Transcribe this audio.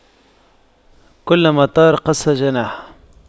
كلما طار قص جناحه